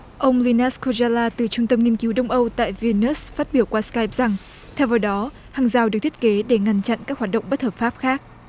ông guy nát cô gia la từ trung tâm nghiên cứu đông âu tại vi nớt phát biểu qua sờ kai rằng theo vào đó hàng rào được thiết kế để ngăn chặn các hoạt động bất hợp pháp khác